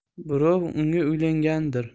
birov unga uylangandir